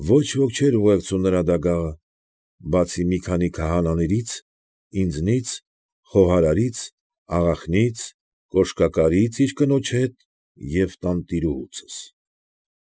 Ոչ ոք չէր ուղեկցում նրա դագաղը, բացի մի քանի քահանաներից, ինձնից, խոհարարից, աղախնից, կոշկակարից՝ իր կնոջ հետ և տանտիրուհուցուս։